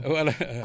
voilà